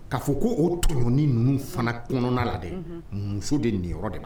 Ka fɔ ko o t ni ninnu fana kɔnɔna la dɛ muso de nin yɔrɔ de ma